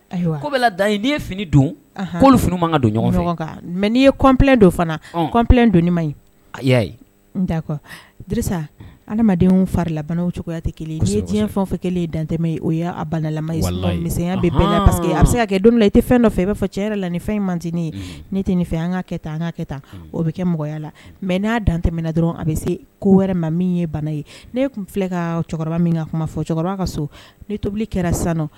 Ayiwa mɛ'i ye kɔn don don ma adamaden farila oya tɛ kelen ye diɲɛ fɛn fɛ kelen ye dantɛmɛ ye o a balimalaya bɛseke a bɛ se ka kɛ don i tɛ fɛn dɔ fɛ i bɛa fɔ cɛ yɛrɛ la ni fɛn in mant ne ye ne tɛ ne fɛ an ka kɛ an ka tan o bɛ kɛ mɔgɔya la mɛ n'a dantɛɛna dɔrɔn a bɛ se ko wɛrɛ ma min ye bana ye ne tun filɛ ka min ka kuma fɔ ka so ne tobili kɛra sanu